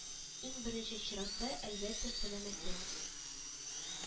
Иң беренче чиратта, әлбәттә, сәламәтлек